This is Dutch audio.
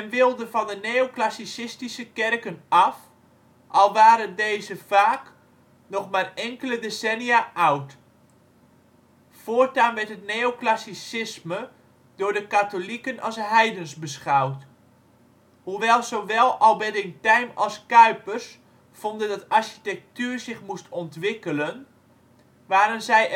wilde van de neoclassicistische kerken af, al waren deze vaak nog maar enkele decennia oud. Voortaan werd het neoclassicisme door de katholieken als ' heidens ' beschouwd. Hoewel zowel Alberdingk Thijm als Cuypers vonden dat architectuur zich moest ontwikkelen waren zij